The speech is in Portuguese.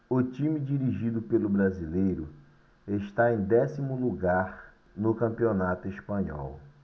o time dirigido pelo brasileiro está em décimo lugar no campeonato espanhol